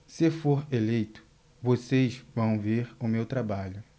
se for eleito vocês vão ver o meu trabalho